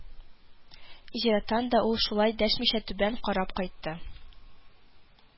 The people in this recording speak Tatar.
Зираттан да ул шулай дәшмичә түбән карап кайтты